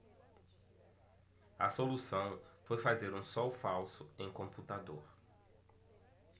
a solução foi fazer um sol falso em computador